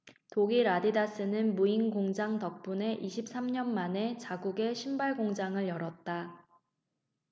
독일 아디다스는 무인공장 덕분에 이십 삼 년 만에 자국에 신발공장을 열었다